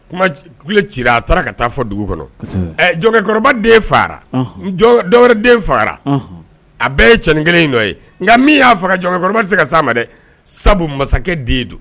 Kuma kulu ci la, a taara ka taa fɔ dugu kɔnɔ , jɔn den faga la, dɔwɛrɛ den fagara , a bɛɛ ye cɛnin kelen in nɔ ye , nka min y'a faga jɔn tɛ se ka s'a ma dɛ sabu masakɛ den don!